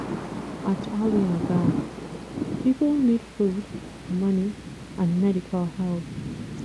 @AlyaaGad People need food, money and medical help!